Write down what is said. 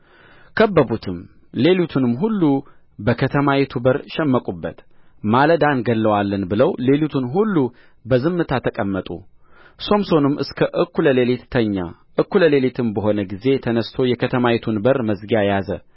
ከበቡትም ሌሊቱንም ሁሉ በከተማይቱ በር ሸመቁበት ማለዳ እንገድለዋለን ብለውም ሌሊቱን ሁሉ በዝምታ ተቀመጡ ሶምሶንም እስከ እኩለ ሌሊት ተኛ እኩለ ሌሊትም በሆነ ጊዜ ተነሥቶ የከተማይቱን በር መዝጊያ ያዘ